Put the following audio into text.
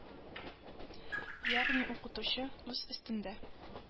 Ягъни, укытучы үз өстендә